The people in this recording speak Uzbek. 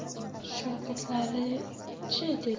shogirdlarichi dedi